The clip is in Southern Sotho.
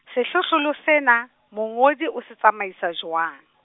sehlohlolo sena, mongodi o se tsamaisa jwang?